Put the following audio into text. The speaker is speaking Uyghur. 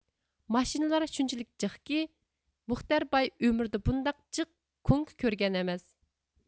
ماشىنىلار شۇنچىلىك جىقكى مۇختەر باي ئۆمرىدە بۇنداق جىق كوڭكا كۆرگەن ئەمەس